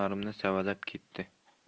orqasidan ko'tarilib kelardi